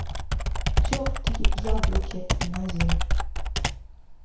тертые яблоки на зиму